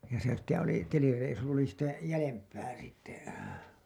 ja se sitten oli telireissu oli sitä jäljempää sitten